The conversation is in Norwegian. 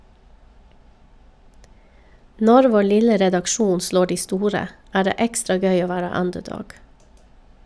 Når vår lille redaksjon slår de store, er det ekstra gøy å være underdog.